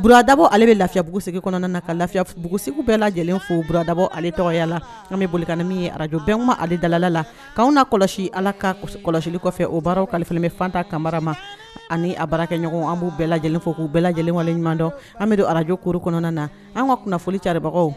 buradabɔ ale bɛ lafiyabuguse kɔnɔna na ka lafiyabugu segu bɛɛ lajɛlen fo buradabɔ ale tɔgɔyala an bɛ boli ka min ye arajbɛnmaale dalalala la' anw na kɔlɔsi ala ka kɔlɔsili kɔfɛ o baararaw kalifamɛfantan kamabarara ma ani a baarakɛɲɔgɔn an b' bɛɛ lajɛlen fo k'u bɛɛ lajɛlenwaleɲumandɔn an bɛ don arajo koro kɔnɔna na an ka kunna kunnafonili cabagaw